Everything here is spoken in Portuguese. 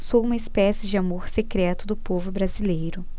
sou uma espécie de amor secreto do povo brasileiro